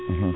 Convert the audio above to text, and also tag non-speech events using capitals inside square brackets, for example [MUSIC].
[HESITATION] [HESITATION]